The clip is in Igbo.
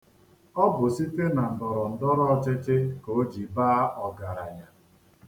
Ọ bụ site na ndọrọndọrọọchịchị ka o ji baa ọgaranya.